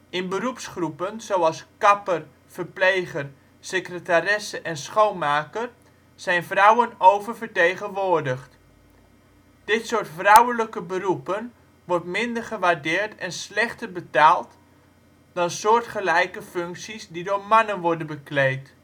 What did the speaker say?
In beroepsgroepen, zoals kapper, verpleger, secretaresse en schoonmaker zijn vrouwen oververtegenwoordigd. Dit soort " vrouwelijke " beroepen wordt minder gewaardeerd en slechter betaald dan soortgelijke functies die door mannen worden bekleed